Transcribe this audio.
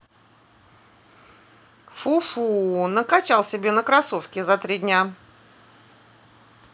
фу фу накачал себе на кроссовки за три дня